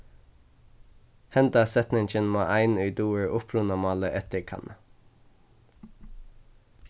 henda setningin má ein ið dugir upprunamálið eftirkanna